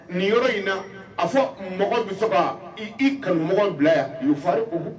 Nin yɔrɔ in a fɔ mɔgɔ bi se ka i kanuɲɔgɔn bila yan